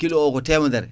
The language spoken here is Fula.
kolo o ko temedere